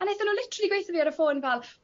a naethon n'w literally gweu' 'tho fi ar y ffon fal